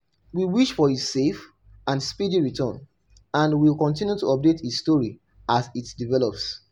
We wish for his safe and speedy return, and will continue to update this story as it develops.